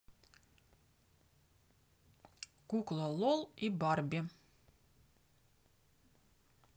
кукла лол и барби